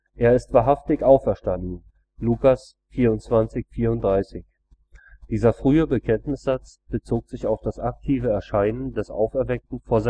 Er ist wahrhaftig auferstanden! (Lk 24,34 EU): Dieser frühe Bekenntnissatz bezog sich auf das aktive Erscheinen des Auferweckten vor